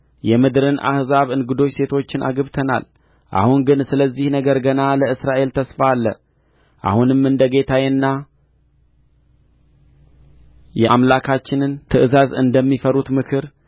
የምድርን አሕዛብ እንግዶች ሴቶችን አግብተናል አሁን ግን ስለዚህ ነገር ገና ለእስራኤል ተስፋ አለ አሁንም እንደ ጌታዬና የአምላካችንን ትእዛዝ እንደሚፈሩት ምክር